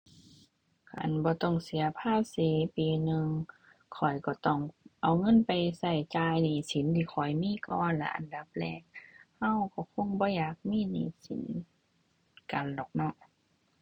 อั่น บ่ต้องเสียภาษีปีหนึ่ง ข้อยก็ต้องเอาเงินไปก็จ่ายหนี้สินที่ข้อยมีก่อนแหละอันดับแรก ก็ก็คงบ่อยากมีหนี้สินกันหรอกเนาะ